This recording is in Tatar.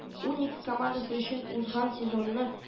“уникс” командасы өчен узган сезонны